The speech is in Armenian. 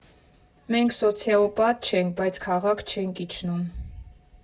Մենք սոցիոպատ չենք, բայց քաղաք չենք իջնում։